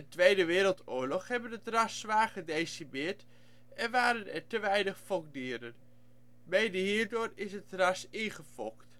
Tweede Wereldoorlog hebben het ras zwaar gedecimeerd en waren er te weinig fokdieren. Mede hierdoor is het ras ingefokt